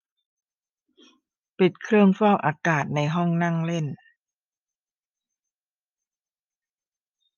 ปิดเครื่องฟอกอากาศในห้องนั่งเล่น